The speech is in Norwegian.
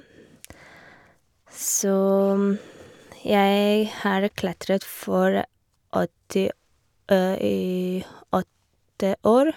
Så jeg har klatret for åtti i åtte år.